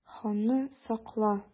Ханны сакла!